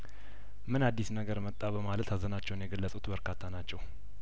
ምን አዲስ ነገር መጣ በማለት ሀዘናቸውን የገለጹትም በርካታ ናቸው